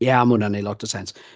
Ia, a ma' hwnna'n wneud lot o sens.